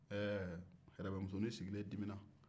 ɛɛ yɛrɛbɛ musonin sigilen dimina